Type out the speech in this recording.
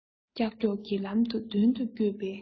ཀྱག ཀྱོག གི ལམ དུ མདུན དུ བསྐྱོད པའི